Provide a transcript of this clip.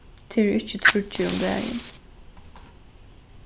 tað eru ikki tríggir um dagin